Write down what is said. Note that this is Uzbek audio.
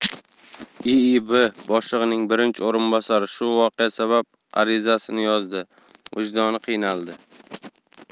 iib boshlig'ining birinchi o'rinbosari shu voqea sabab arizasini yozdi vijdoni qiynaldi